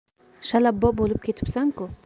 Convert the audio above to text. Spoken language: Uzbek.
shalabbo bo'lib ketibsan ku